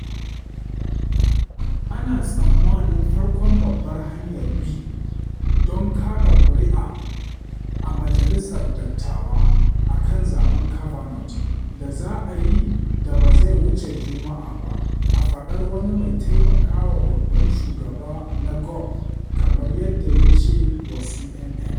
Ana tsammanin farkon babban hanyar bi don kaɗa ƙuri’a a Majalisar Dattawa a kan zaɓen Kavanaugh da za a yi da ba zai wuce Juma’a ba, a faɗar wani mai taimaka wa babban shugaba na GOP kamar yadda ya ce wa CNN.